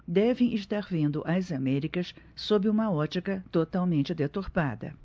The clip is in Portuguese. devem estar vendo as américas sob uma ótica totalmente deturpada